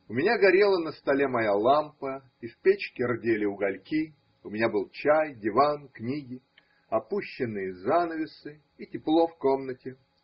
У меня горела на столе моя лампа и в печке рдели угольки, у меня был чай, диван, книги, опущенные занавесы и тепло в комнате.